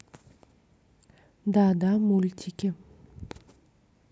да да мультики